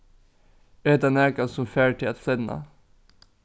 er hetta nakað sum fær teg at flenna